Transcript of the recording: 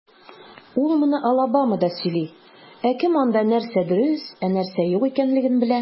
Ул моны Алабамада сөйли, ә кем анда, нәрсә дөрес, ә нәрсә юк икәнлеген белә?